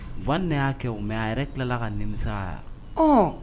Fa y'a kɛ u mɛ a yɛrɛ tilala ka nimisaya hɔn